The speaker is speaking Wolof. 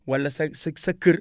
wala sa sa sa kër